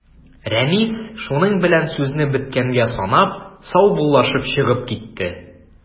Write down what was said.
Рәнис, шуның белән сүзне беткәнгә санап, саубуллашып чыгып китте.